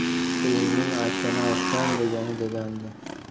oyimning aytgani aytgan degani degan edi